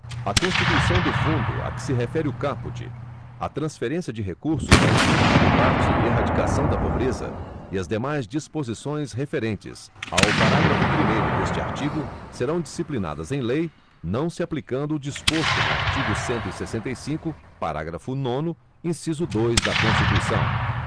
a constituição do fundo a que se refere o caput a transferência de recursos ao fundo de combate e erradicação da pobreza e as demais disposições referentes ao parágrafo primeiro deste artigo serão disciplinadas em lei não se aplicando o disposto no artigo cento e sessenta e cinco parágrafo nono inciso dois da constituição